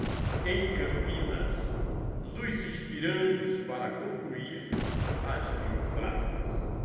em campinas nos inspiramos para concluir as mil frases